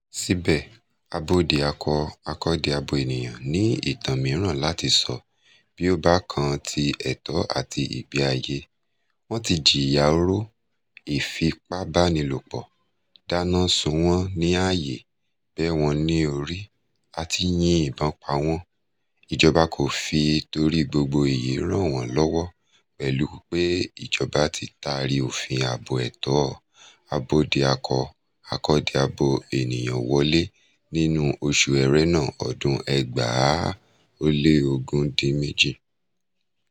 Síbẹ̀, Abódiakọ-akọ́diabo ènìyàn ní ìtàn mìíràn láti sọ bí ó bá kan ti ẹ̀tọ́ àti ìgbé ayé; wọ́n ti jìyà oró, ìfipábánilòpọ̀, dáná sun wọ́n ní ààyè, bẹ́ wọn lórí àti yin ìbọn pa wọ́n, ìjọba kò fi torí gbogbo èyí ràn wọ́n lọ́wọ́ pẹ̀lú pé Ìjọba ti tari òfin Ààbò Ẹ̀tọ́ Abódiakọ-akọ́diabo Ènìyàn wọlé nínú oṣù Ẹrẹ́nà ọdún 2018.